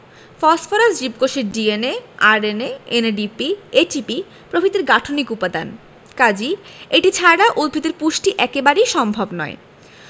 phosphorus জীবকোষের DNA RNA NADP ATP প্রভৃতির গাঠনিক উপাদান কাজেই এটি ছাড়া উদ্ভিদের পুষ্টি একেবারেই সম্ভব নয়